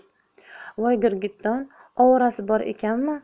voy girgitton ovorasi bor ekanmi